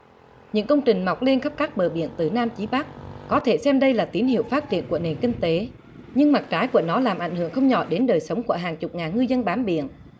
những công trình mọc lên khắp các bờ biển từ nam chí bắc có thể xem đây là tín hiệu phát triển của nền kinh tế nhưng mặt trái của nó làm ảnh hưởng không nhỏ đến đời sống của hàng chục ngàn ngư dân bám biển